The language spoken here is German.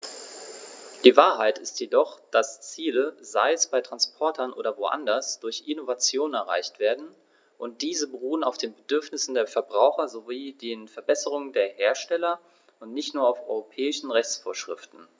Die Wahrheit ist jedoch, dass Ziele, sei es bei Transportern oder woanders, durch Innovationen erreicht werden, und diese beruhen auf den Bedürfnissen der Verbraucher sowie den Verbesserungen der Hersteller und nicht nur auf europäischen Rechtsvorschriften.